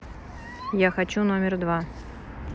я хочу номер два